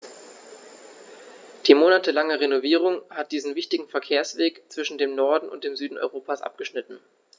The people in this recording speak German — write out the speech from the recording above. Die monatelange Renovierung hat diesen wichtigen Verkehrsweg zwischen dem Norden und dem Süden Europas abgeschnitten.